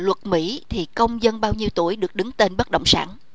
luật mỹ thì công dân bao nhiêu tủi được đứng tên bất động sản